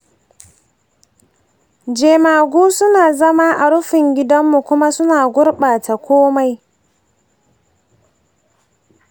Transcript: jemagu suna zama a rufin gidanmu kuma suna gurɓata komai.